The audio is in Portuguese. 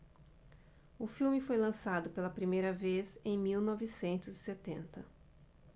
o filme foi lançado pela primeira vez em mil novecentos e setenta